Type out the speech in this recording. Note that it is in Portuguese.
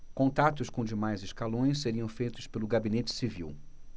contatos com demais escalões seriam feitos pelo gabinete civil